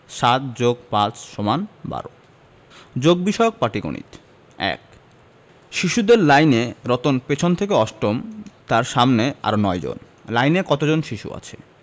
৭যোগ৫ সমান ১২ যোগ বিষয়ক পাটিগনিতঃ ১ শিশুদের লাইনে রতন পিছন থেকে অষ্টম তার সামনে আরও ৯ জন লাইনে কত জন শিশু আছে